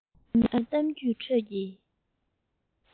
ཨ མའི གཏམ རྒྱུད ཁྲོད ཀྱི